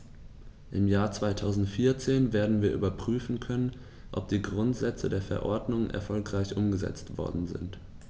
Im Jahr 2014 werden wir überprüfen können, ob die Grundsätze der Verordnung erfolgreich umgesetzt worden sind.